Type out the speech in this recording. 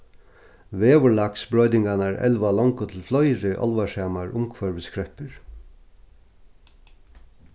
veðurlagsbroytingarnar elva longu til fleiri álvarsamar umhvørviskreppur